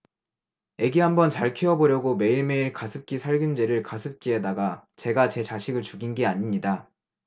애기 한번 잘 키워보려고 매일매일 가습기 살균제를 가습기에다가 제가 제 자식을 죽인 게 아닙니다